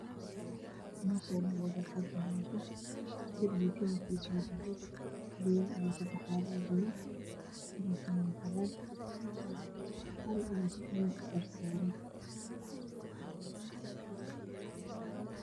Meshani waa barxad banaan ah dirbiga kalarkiisa waa cades geedo ayaa ka baxayo oo badan kalarkoodo waa cagaar xarid ayaa ku xiran oo dharsaran